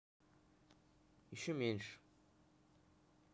еще меньше